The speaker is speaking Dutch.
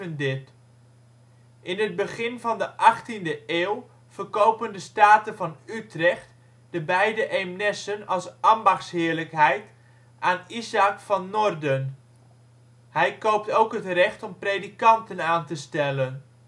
In het begin van de 18de eeuw verkopen de Staten van Utrecht de beide Eemnessen als ambachtsheerlijkheid aan Ysaak van Norden, hij koopt ook het recht om predikanten aan te stellen